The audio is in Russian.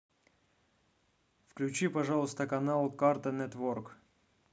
включи пожалуйста канал карта нетворк